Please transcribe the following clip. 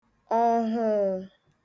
ọhụụ̄